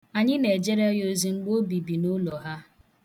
Anyị na-ejere ya ozi mgbe o bibu n' ụlọ ha.